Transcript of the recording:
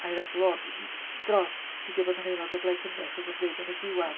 A'i ddadl o yym dros beidio bod yn aelod o Blaid Cymru achos oedd o'n deud yn y diwedd...